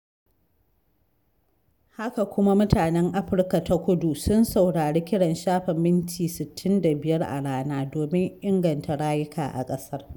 Haka kuma, mutanen Afirka ta Kudu sun saurari kiran shafe minti 65 a rana domin inganta rayuka a ƙasar.